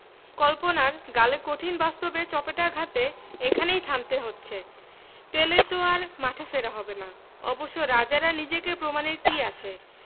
কল্পনার গালে কঠিন বাস্তবের চপেটাঘাতে এখানেই থামতে হচ্ছে পেলের তো আর মাঠে ফেরা হবে না অবশ্য রাজার আর নিজেকে প্রমাণের কী আছে